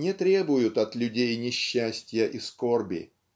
не требуют от людей несчастья и скорби